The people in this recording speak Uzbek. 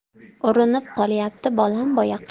urinib qolyapti bolam boyaqish